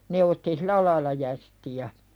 ne otti sillä lailla jästiä